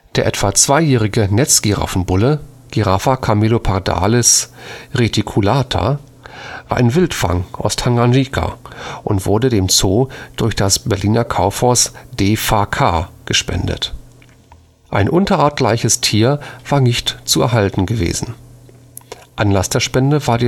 Der etwa zweijährige Netzgiraffenbulle (Giraffa camelopardalis reticulata) war ein Wildfang aus Tanganjika und wurde dem Zoo durch das Berliner Kaufhaus DeFaKa gespendet. Ein unterartengleiches Tier war nicht zu erhalten gewesen. Anlass der Spende war